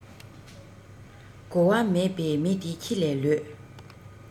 གོ བ མེད པའི མི དེ ཁྱི ལས ལོད